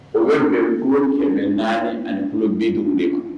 O bɛ tun cɛ bɛ naani ani tulo bɛ duuru de ma